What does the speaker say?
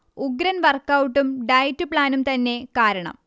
ഉഗ്രൻ വർക്ഔട്ടും ഡയറ്റ് പ്ലാനും തന്നെ കാരണം